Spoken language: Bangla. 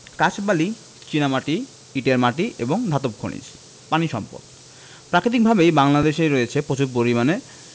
কাঁচবালি চীনামাটি ইটের মাটি এবং ধাতব খনিজ পানি সম্পদঃ প্রাকৃতিকভাবেই বাংলাদেশের রয়েছে প্রচুর পরিমাণে